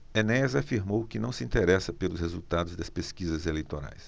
enéas afirmou que não se interessa pelos resultados das pesquisas eleitorais